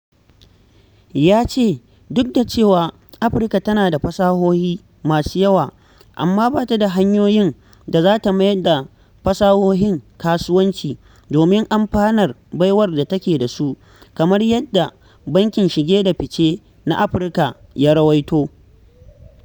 Ya ce, duk da cewa Afirka tana da fasahohi masu yawa, amma ba ta da hanyoyin da za ta mayar da fasahohin kasuwanci domin amfanar baiwar da take da su, kamar yadda Bankin Shige da Fice na Afirka ya rawaito.